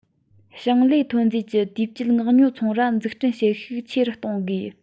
ཞིང ལས ཐོན རྫས ཀྱི དུས བཅད མངག ཉོ ཚོང ར འཛུགས སྐྲུན བྱེད ཤུགས ཆེ རུ གཏོང དགོས